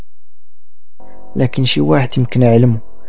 لكن شيء واحد يمكن اعلم